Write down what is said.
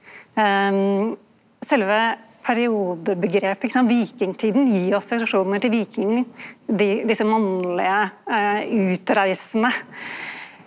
sjølve periodeomgrepet ikkje sant vikingtida gir oss assosiasjonar til vikingar desse mannlege utreisande.